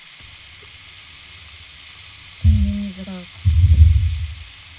ты мне не враг